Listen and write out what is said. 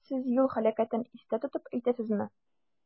Сез юл һәлакәтен истә тотып әйтәсезме?